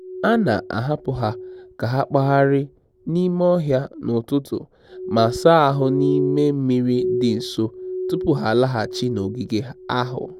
A na-ahapụ ha ka ha kpagharị n'ime ọhịa n'ụtụtụ ma saa ahụ n'ime mmiri dị nso tụpụ ha alaghachi n'ogige ahụ.